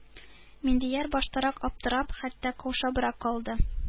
Миндияр баштарак аптырап, хәтта каушабрак калды.